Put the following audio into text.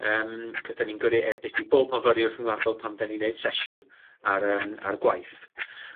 yym 'c'os 'dan ni'n gyrru e-byst i bob myfyriwr rhwngwladol pan 'dan ni'n neud sesiwn a'r yym ar gwaith.